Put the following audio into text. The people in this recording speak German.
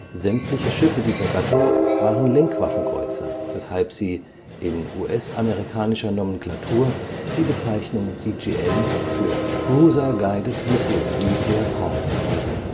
sind. Sämtliche Schiffe dieser Gattung waren Lenkwaffenkreuzer, weshalb sie (in US-amerikanischer Nomenklatur) die Bezeichnung CGN für Cruiser Guided Missile nuclear powered erhielten